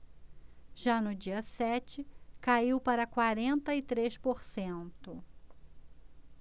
já no dia sete caiu para quarenta e três por cento